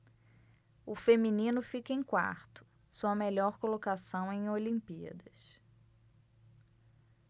o feminino fica em quarto sua melhor colocação em olimpíadas